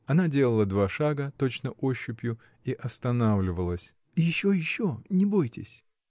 Она делала два шага, точно ощупью, и останавливалась. — Еще, еще, не бойтесь!